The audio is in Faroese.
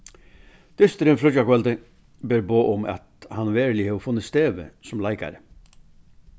dysturin fríggjakvøldið ber boð um at hann veruliga hevur funnið stevið sum leikari